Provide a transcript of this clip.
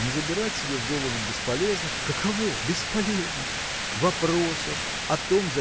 не забирать себе в голову бесполезных – каково? бесполезных! – вопросов о том